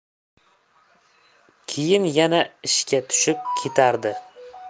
keyin yana ishga tushib ketardi